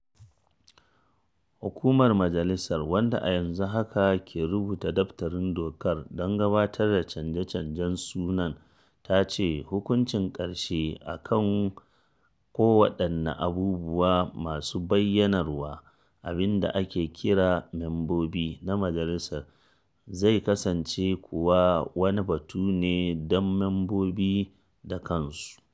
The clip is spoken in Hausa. Hukumar Majalisar, wanda a yanzu haka ke rubuta daftarin dokar don gabatar da canje-canjen sunan, ta ce: “Hukuncin ƙarshe a kan kowaɗanne abubuwa masu bayyanarwa abin da ake kiran mambobi na Majalisar zai kasance kuwa wani batu ne don mambobin da kansu.”